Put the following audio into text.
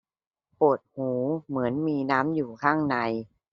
ปวดหูเหมือนมีน้ำอยู่ข้างใน